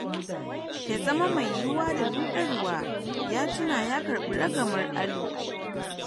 "Ya zama mai yiyuwa da rudarwa," ya tuna, ya karbi ragamar Alloa.